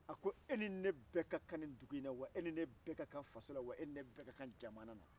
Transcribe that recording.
a ko e ni ne bɛɛ kakan nin dugu na e ni ne bɛɛ kakan faso la wa e ni ne bɛɛ kakan jamana la